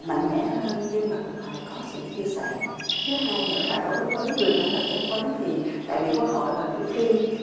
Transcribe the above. mạnh mẽ hơn nhưng mà cũng phải có sự chia sẻ thứ hai nữa là đối với người trả lời chất vấn thì đại biểu quốc hội và cử tri